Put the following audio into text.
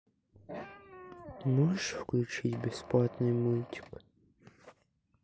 можешь включить бесплатный мультик